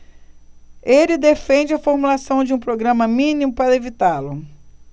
ele defende a formulação de um programa mínimo para evitá-la